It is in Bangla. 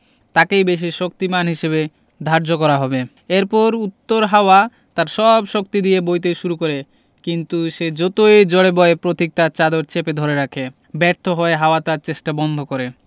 তাকেই বেশি শক্তিমান হিসেবে ধার্য করা হবে এরপর উত্তর হাওয়া তার সব শক্তি দিয়ে বইতে শুরু করে কিন্তু সে যতই জোড়ে বয় পতিক তার চাদর চেপে ধরে রাখে ব্যর্থ হয়ে হাওয়া তার চেষ্টা বন্ধ করে